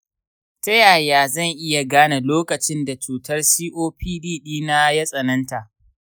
ta yaya zan iya gane lokacin da cutar copd dina ya tsananta?